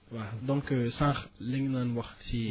waaw donc sànq li nga doon wax si